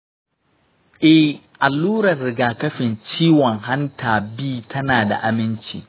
eh, allurar rigakafin ciwon hanta b tana da aminci.